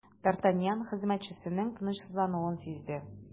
Д’Артаньян хезмәтчесенең тынычсызлануын сизде.